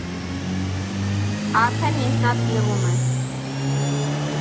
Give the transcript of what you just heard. Արդեն ինքնաթիռում է։